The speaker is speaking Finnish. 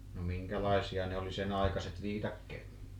no minkälaisia ne oli sen aikaiset viikatteet